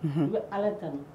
Unhun , na bɛ allah _ tanu.